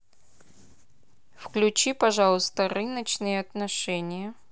включи пожалуйста рыночные отношения